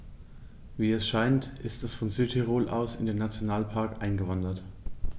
Wie es scheint, ist er von Südtirol aus in den Nationalpark eingewandert.